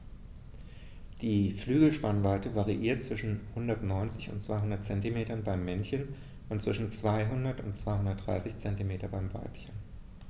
Die Flügelspannweite variiert zwischen 190 und 210 cm beim Männchen und zwischen 200 und 230 cm beim Weibchen.